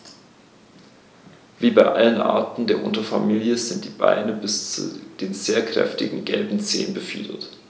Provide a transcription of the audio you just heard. Wie bei allen Arten der Unterfamilie sind die Beine bis zu den sehr kräftigen gelben Zehen befiedert.